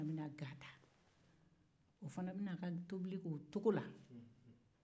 mɔgɔ wɛrɛ bɛna ga ta o fana bɛ na tobili kɛ o cogo kelen na